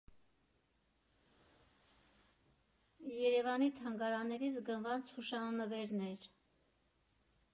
Երևանի թանգարաններից գնված հուշանվերներ.